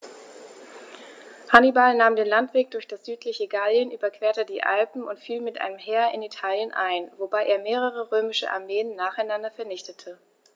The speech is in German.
Hannibal nahm den Landweg durch das südliche Gallien, überquerte die Alpen und fiel mit einem Heer in Italien ein, wobei er mehrere römische Armeen nacheinander vernichtete.